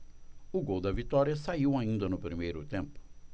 o gol da vitória saiu ainda no primeiro tempo